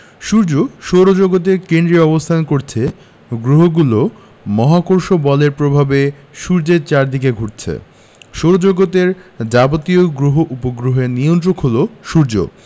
সূর্য সৌরজগতের কেন্দ্রে অবস্থান করছে গ্রহগুলো মহাকর্ষ বলের প্রভাবে সূর্যের চারদিকে ঘুরছে সৌরজগতের যাবতীয় গ্রহ উপগ্রহের নিয়ন্ত্রক হলো সূর্য